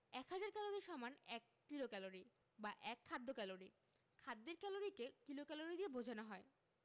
এক হাজার ক্যালরি সমান এক কিলোক্যালরি বা এক খাদ্য ক্যালরি খাদ্যের ক্যালরিকে কিলোক্যালরি দিয়ে বোঝানো হয়